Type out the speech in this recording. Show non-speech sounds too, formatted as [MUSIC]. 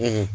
[HESITATION] [HESITATION]